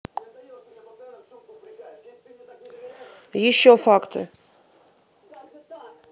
еще факты